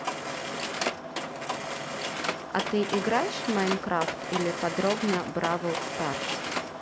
а ты играешь в minecraft или подробно бравл старс